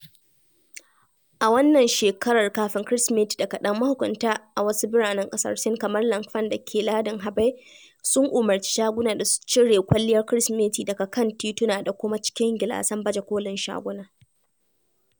A wannan shekarar, kafin Kirsimeti da kaɗan, mahukunta a wasu biranen ƙasar Sin kamar Langfang da ke lardin Hebei, sun umarci shaguna da su cire kwalliyar Kirsimeti daga kan tituna da kuma cikin gilasan baje kolin shaguna.